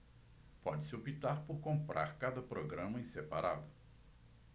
pode-se optar por comprar cada programa em separado